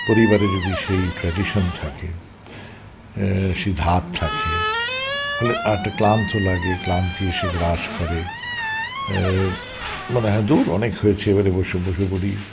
পরিবারে যদি সেই ট্রাডিশন থাকে সে ধাত থাকে আর ক্লান্ত লাগে ক্লান্তি এসে গ্রাস করে মনে হয় দূর অনেক হয়েছে এবার বসে বসে পড়ি